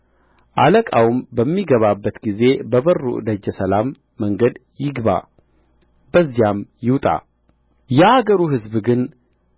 አለቃውም በሚገባበት ጊዜ በበሩ ደጀ ሰላም መንገድ ይግባ በዚያውም ይውጣ የአገሩ ሕዝብ ግን